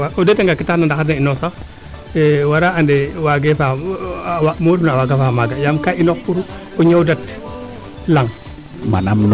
waaw o ndeeta nga kee taxna ndaxar ne inoox sax wara ande waage faax mu refna a waaga faax maaga yaam kaa inoox pour o ñoowdat laŋ